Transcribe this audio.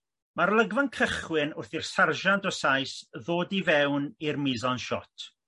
Ma'r olygfa'n cychwyn wrth i'r sarjant o sais ddod i fewn i'r mise-en-shot.